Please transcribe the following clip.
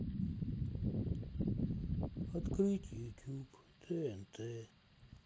открыть ютуб тнт